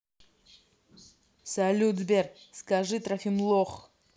салют сбер скажи трофим лох